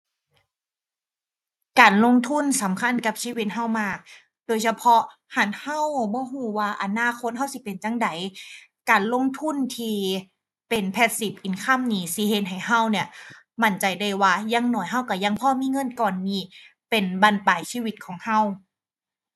การลงทุนสำคัญกับชีวิตเรามาก โดยเฉพาะคันเราบ่เราว่าอนาคตเราสิเป็นจั่งใด การลงทุนที่เป็น passive income นี่ สิเฮ็ดให้เราเนี่ย มั่นใจได้ว่าอย่างน้อยเราเรายังพอมีเงินก้อนนี้เป็นบั้นปลายชีวิตของเรา